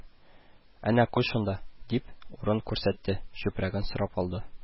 – әнә куй шунда, – дип, урын күрсәтте, чүпрәген сорап алды